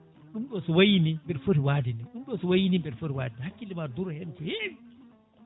ɗum ɗo so wayini mbiɗa footi waade ni ɗum ɗo so wayini mbeɗa footi waade ni hakkille ma duuro hen ko ko heewi